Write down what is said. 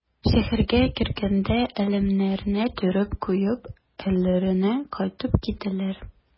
Шәһәргә кергәндә әләмнәрне төреп куеп өйләренә кайтып киттеләр.